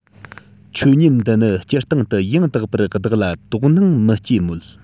ཆོས ཉིད འདི ནི སྤྱིར བཏང དུ ཡང དག པར བདག ལ དོགས སྣང མི སྐྱེ མོད